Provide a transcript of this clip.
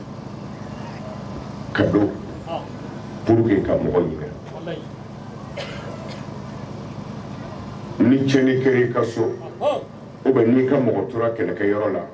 Ka don p ka mɔgɔ kɛ ni tiɲɛn kɛ i ka so n ka mɔgɔ tora kɛnɛ kɛ yɔrɔ la